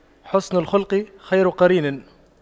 حُسْنُ الخلق خير قرين